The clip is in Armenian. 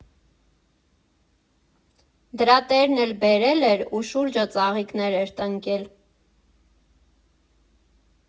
Դրա տերն էլ բերել էր ու շուրջը ծաղիկներ էր տնկել։